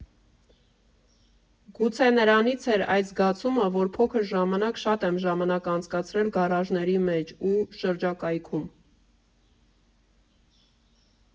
Գուցե նրանից էր այդ զգացումը, որ փոքր ժամանակ շատ եմ ժամանակ անցկացրել գարաժների մեջ ու շրջակայքում…